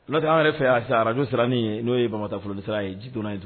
N'ɔ tɛ an yɛrɛ fɛ yan sisan radio sirani n'o ye bamata foloni sira ye ji dɔn ye